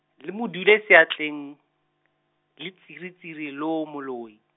le mo dule seatleng, letsiritsiri loo moloi.